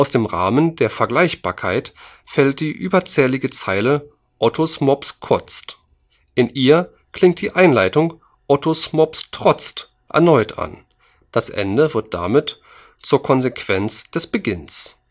dem Rahmen der Vergleichbarkeit fällt die überzählige Zeile „ ottos mops kotzt “. In ihr klingt die Einleitung „ ottos mops trotzt “erneut an, das Ende wird damit zur Konsequenz des Beginns